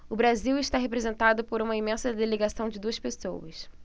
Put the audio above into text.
o brasil está representado por uma imensa delegação de duas pessoas